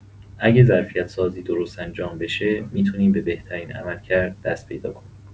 اگه ظرفیت‌سازی درست انجام بشه، می‌تونیم به بهترین عملکرد دست پیدا کنیم.